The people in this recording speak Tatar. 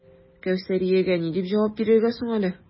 Кәүсәриягә ни дип җавап бирергә соң әле?